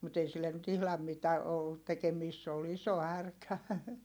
mutta ei sille nyt ihan mitä ollut tekemistä se oli iso härkä